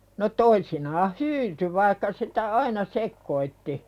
no toisinaan hyytyi vaikka sitä aina sekoitti